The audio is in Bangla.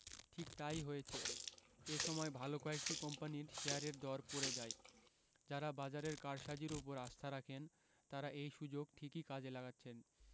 ঠিক তা ই হয়েছে এ সময় ভালো কয়েকটি কোম্পানির শেয়ারের দর পড়ে যায় যাঁরা বাজারের কারসাজির ওপর আস্থা রাখেন তাঁরা এই সুযোগ ঠিকই কাজে লাগাচ্ছেন